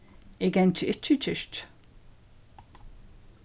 eg gangi ikki í kirkju